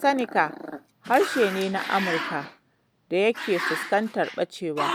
Seneca harshe ne na Amurka da yake fuskantar ɓacewa,